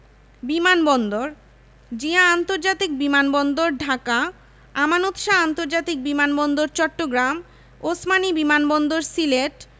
সড়কঃ সেতু ৪দশমিক ৮ কিলোমিটার দৈর্ঘ্যের দেশের দীর্ঘতম বঙ্গবন্ধু যমুনা বহুমুখী সেতু ১৯৯৮ সালের জুন মাসে উদ্বোধন করা হয়েছে